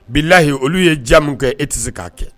Bilahi olu ye diya min kɛ e tɛ se k'a kɛ